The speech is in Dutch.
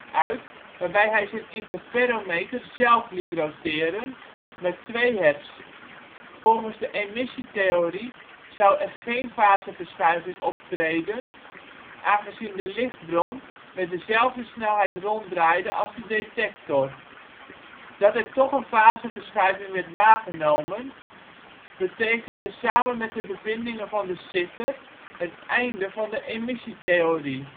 uit waarbij hij zijn interferometer zelf liet roteren, met 2 Hz. Volgens de emissietheorie zou er geen faseverschuiving optreden, aangezien de lichtbron met dezelfde snelheid ronddraaide als de detector. Dat er toch een faseverschuiving werd waargenomen betekende samen met de bevindingen van De Sitter het einde van de emissietheorie